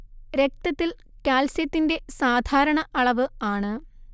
രക്തത്തിൽ കാൽസ്യത്തിന്റെ സാധാരണ അളവ് ആണ്